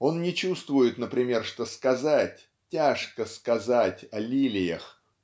Он не чувствует, например, что сказать, тяжко сказать о лилиях